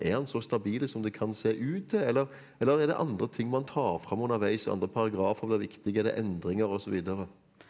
er han så stabil som det kan se ut eller eller er det andre ting man tar fram underveis andre paragrafer blir viktige er det endringer og så videre?